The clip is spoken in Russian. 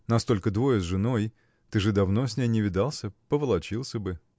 нас только двое с женой: ты же давно с ней не видался: поволочился бы.